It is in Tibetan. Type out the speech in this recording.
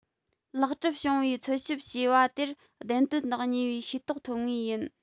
ལེགས གྲུབ བྱུང བའི འཚོལ ཞིབ བྱས པ དེར བདེན དོན དང ཉེ བའི ཤེས རྟོགས ཐོབ ངེས ཡིན